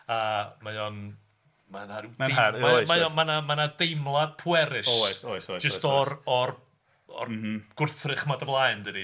A mae o'n mae 'na... mae 'na deimlad pwerus jyst o'r... o'r... o'r gwrthrych 'ma o dy flaen di.